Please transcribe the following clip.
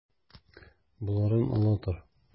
Боларын ала тор.